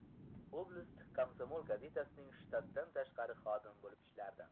oblast komsomol gazetasining shtatdan tashqari xodimi bo'lib ishlardi